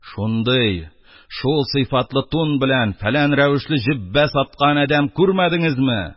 — шундый, шул сыйфатлы тун белән, фәлән рәвешле җөббә саткан адәм күрмәдеңезме?